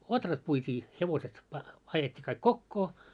ohrat puitiin hevoset - ajettiin kaikki kokoon